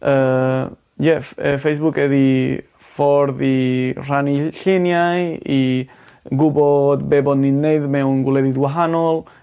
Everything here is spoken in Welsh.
Yy ie F- yy Facebook ydi fordd i rhannu lluniau i gwbod be' bo' ni'n neud mewn gwledydd wahanol